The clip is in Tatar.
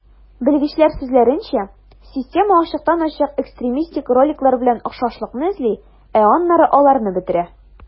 Белгечләр сүзләренчә, система ачыктан-ачык экстремистик роликлар белән охшашлыкны эзли, ә аннары аларны бетерә.